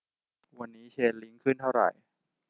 วันนี้เชนลิ้งขึ้นเท่าไหร่